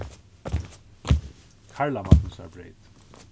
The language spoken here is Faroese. karlamagnusarbreyt